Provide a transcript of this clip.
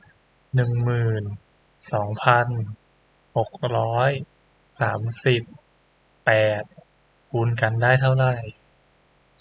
หนึ่งหมื่นสองพันหกร้อยสามสิบแปดคูณกันได้เท่าไหร่